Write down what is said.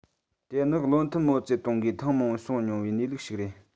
དེ ནི བློ མཐུན མའོ ཙེ ཏུང གིས ཐེངས མང པོ གསུང མྱོང བའི གནས ལུགས ཤིག རེད